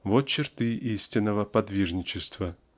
-- вот черты истинного подвижничества.